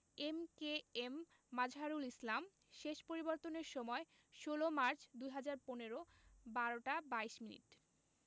MKM Mazharul Islam শেষ পরিবর্তনের সময় ১৬ মার্চ ২০১৫ ১২টা ২২ মিনিট